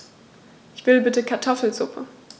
Ich will bitte Kartoffelsuppe.